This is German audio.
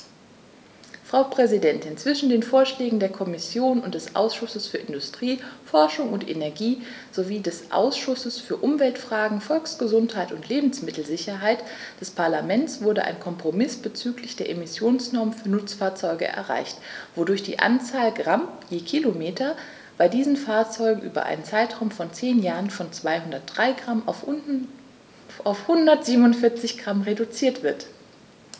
Frau Präsidentin, zwischen den Vorschlägen der Kommission und des Ausschusses für Industrie, Forschung und Energie sowie des Ausschusses für Umweltfragen, Volksgesundheit und Lebensmittelsicherheit des Parlaments wurde ein Kompromiss bezüglich der Emissionsnormen für Nutzfahrzeuge erreicht, wodurch die Anzahl Gramm je Kilometer bei diesen Fahrzeugen über einen Zeitraum von zehn Jahren von 203 g auf 147 g reduziert wird.